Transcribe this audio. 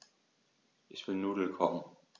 Ich will Nudeln kochen.